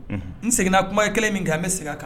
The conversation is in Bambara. N seginna kuma kelen min kɛ n bɛ segin a kan.